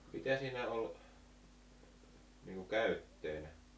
mitä siinä oli niin kuin käytteenä